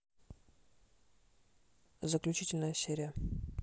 заключительная серия